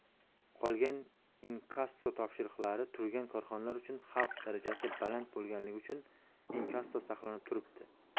qolgan inkasso topshiriqlari turgan korxonalar uchun xavf darajasi baland bo'lganligi uchun inkasso saqlanib turibdi